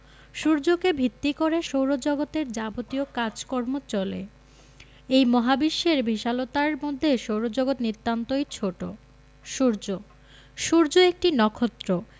সূর্যকে ভিত্তি করে সৌরজগতের যাবতীয় কাজকর্ম চলে এই মহাবিশ্বের বিশালতার মধ্যে সৌরজগৎ নিতান্তই ছোট সূর্য সূর্য একটি নক্ষত্র